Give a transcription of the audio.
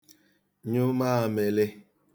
nyụ maāmị̄lị̄